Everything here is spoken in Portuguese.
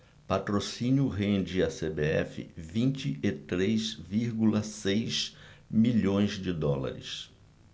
patrocínio rende à cbf vinte e três vírgula seis milhões de dólares